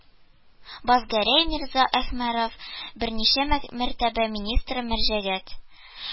Базгәрәй мирза әхмәрев берничә мәртәбә министрга мөрәҗәгать